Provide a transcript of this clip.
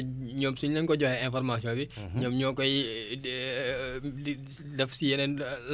ñoom ñoo koy di def si yeneen làkk yi nga xamante ne ñooy làkk localités